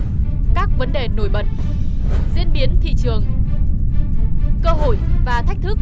các vấn đề nổi bật diễn biến thị trường cơ hội và thách thức